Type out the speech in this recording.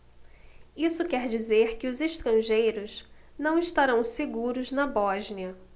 isso quer dizer que os estrangeiros não estarão seguros na bósnia